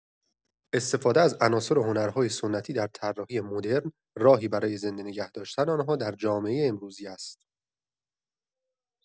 استفاده از عناصر هنرهای سنتی در طراحی مدرن، راهی برای زنده نگه‌داشتن آن‌ها در جامعه امروزی است.